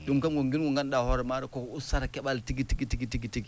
ɗum kam ko ngilngu ngu ngannduɗaa hoore maaɗa koko ustata keɓal tigi tigi tigi